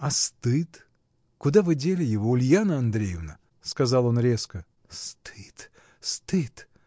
— А стыд — куда вы дели его, Ульяна Андреевна? — сказал он резко. — Стыд. стыд.